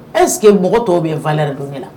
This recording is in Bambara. Ɛseke mɔgɔ tɔw bɛ n falen yɛrɛ don la